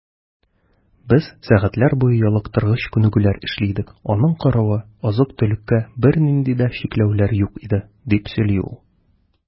Без сәгатьләр буе ялыктыргыч күнегүләр эшли идек, аның каравы, азык-төлеккә бернинди дә чикләүләр юк иде, - дип сөйли ул.